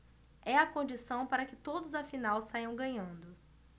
é a condição para que todos afinal saiam ganhando